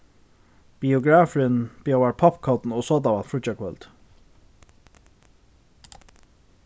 biografurin bjóðar poppkorn og sodavatn fríggjakvøldið